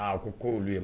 A ko koolu